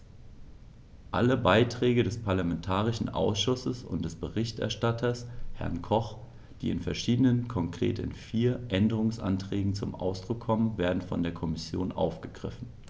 Alle Beiträge des parlamentarischen Ausschusses und des Berichterstatters, Herrn Koch, die in verschiedenen, konkret in vier, Änderungsanträgen zum Ausdruck kommen, werden von der Kommission aufgegriffen.